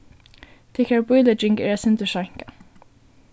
tykkara bílegging er eitt sindur seinkað